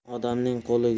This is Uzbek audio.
odamning qo'li gul